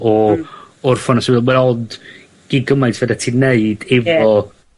o... Hmm. ...o'r ffona' symudol gyd gymaint fydda ti'n neud efo... Ie.